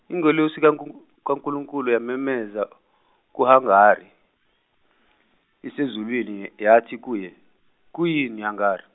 ingelosi kaNku- kaNkulunkulu yamemeza, kuHagari, isezulwini yathi kuye, Kuyini Hagari.